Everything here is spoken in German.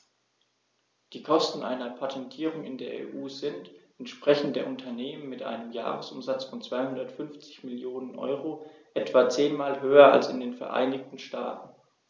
Die Kosten einer Patentierung in der EU sind, entsprechend der Unternehmen mit einem Jahresumsatz von 250 Mio. EUR, etwa zehnmal höher als in den Vereinigten Staaten.